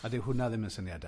A dyw hwnna ddim yn syniad da.